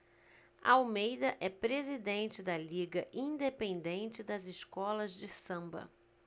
almeida é presidente da liga independente das escolas de samba